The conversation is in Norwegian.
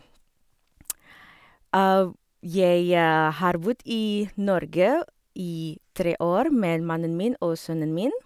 Jeg har bodd i Norge i tre år med mannen min og sønnen min.